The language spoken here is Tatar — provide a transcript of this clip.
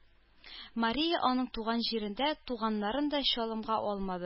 Мария аның туган җирен дә, туганнарын да чалымга алмады.